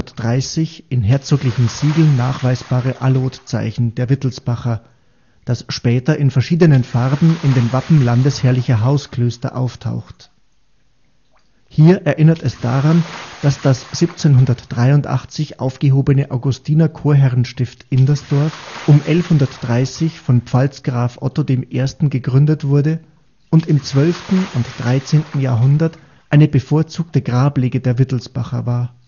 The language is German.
1230 in herzoglichen Siegeln nachweisbare Allodzeichen der Wittelsbacher, das später in verschiedenen Farben in den Wappen landesherrlicher Hausklöster auftaucht. Hier erinnert es daran, dass das 1783 aufgehobene Augustinerchorherrenstift Indersdorf um 1130 von Pfalzgraf Otto I. gegründet wurde und im 12. und 13. Jahrhundert eine bevorzugte Grablege der Wittelsbacher war